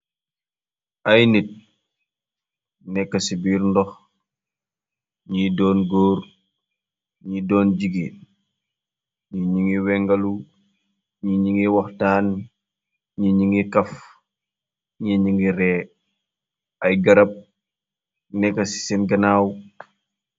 Ay nit nekk ci biir ndox, ñiy doon góor ñiy doon jigiin, ñi ñi ngi wengalu, ñi ñi ni waxtaan, ñi ñingi kaf, ñi ñi ngi ree, ay garab nekk ci seen ganaaw.